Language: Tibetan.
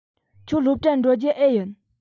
ཁྱོད སློབ གྲྭར འགྲོ རྒྱུ འེ ཡིན